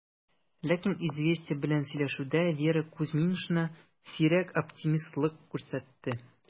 Ләкин "Известия" белән сөйләшүдә Вера Кузьминична сирәк оптимистлык күрсәтте: